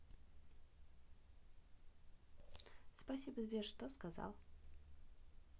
спасибо сбер что сказал